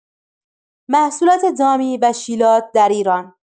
محصولات دامی و شیلات در ایران